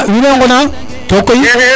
a wiin we mbay ŋona to koy